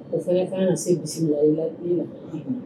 O fana ka ka se gese la i la i la